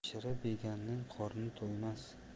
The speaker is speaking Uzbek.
yashirib yeganning qorni to'ymas